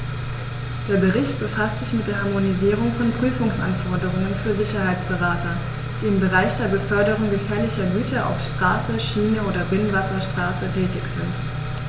Der Bericht befasst sich mit der Harmonisierung von Prüfungsanforderungen für Sicherheitsberater, die im Bereich der Beförderung gefährlicher Güter auf Straße, Schiene oder Binnenwasserstraße tätig sind.